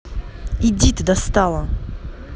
иди ты достала